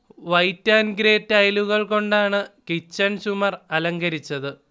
white and grey ടൈലുകൾ കൊണ്ടാണ് kitchen ചുമർ അലങ്കരിച്ചത്